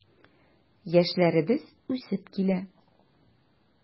Яшьләребез үсеп килә.